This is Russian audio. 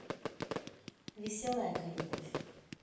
веселая ка любовь